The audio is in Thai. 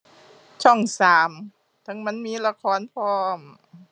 ช่องสาม เทิงมันมีละครพร้อม